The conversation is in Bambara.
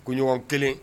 Koɲɔgɔn kelen